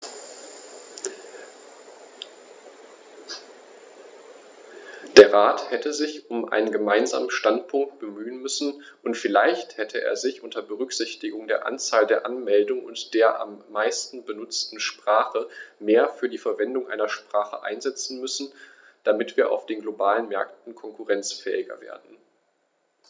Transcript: Der Rat hätte sich um einen gemeinsamen Standpunkt bemühen müssen, und vielleicht hätte er sich, unter Berücksichtigung der Anzahl der Anmeldungen und der am meisten benutzten Sprache, mehr für die Verwendung einer Sprache einsetzen müssen, damit wir auf den globalen Märkten konkurrenzfähiger werden.